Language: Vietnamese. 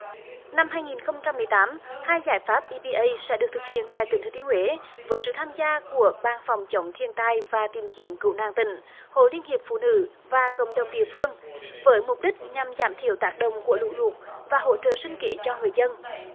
năm hai nghìn không trăm mười tám hai giải pháp i bi ây sẽ được thực hiện tại tỉnh thừa thiên huế với sự tham gia của ban phòng chống thiên tai và tìm kiếm cứu nạn tỉnh hội liên hiệp phụ nữ và cộng đồng địa phương với mục đích nhằm giảm thiểu tác động của lũ lụt và hỗ trợ sinh kế cho người dân